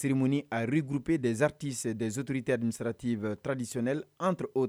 cérémonie a regroupé des artistes les autorités traditionnelles administratives entre autres